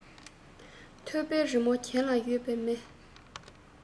ཐོད པའི རི མོ གྱེན ལ ཡོད པའི མི